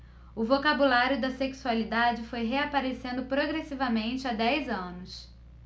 o vocabulário da sexualidade foi reaparecendo progressivamente há dez anos